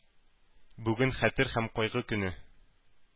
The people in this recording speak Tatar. Бүген – Хәтер һәм кайгы көне.